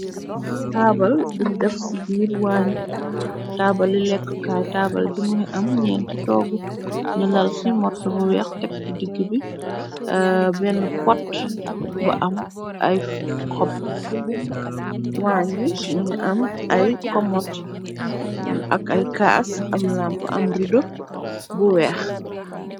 Taabal buñ def ci biir waañ, taabali lekkukaay, taabal bi mungi am ñeenti toogu, ñu lal ci morso bu weex, tek ci digg bi benne pot bu am ay xob, waañ wi mungi am ay komot, ak ay kaas, am lamp, am rido bu weex.